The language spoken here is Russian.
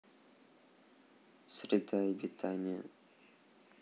среда обитания